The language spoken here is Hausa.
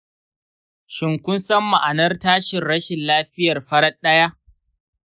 shin kun san ma'anar tashin rashin lafiya farat ɗaya?